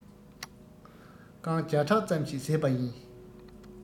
རྐང བརྒྱ ཕྲག ཙམ ཞིག བཟས པ ཡིན